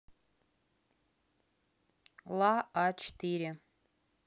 ла а четыре